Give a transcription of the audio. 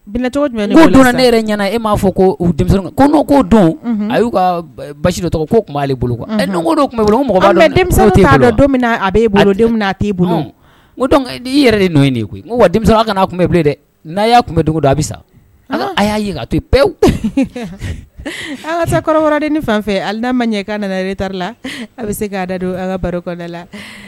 Tɔ ne e m'a fɔ ko ko don a y'u ka basi dɔ tɔgɔ b'ale bolo tun bɛ bolo mɔgɔ'a dɔn don a bolo t'i yɛrɛ de koyi wa kana tun bɛ bilen dɛ n'a y'a tun bɛ dugu don a bi sa a y'a ka to pewu ala kɔrɔden fan fɛ hali n'a ma ɲɛ k' nana ta la a bɛ se k'a da don ka baroda la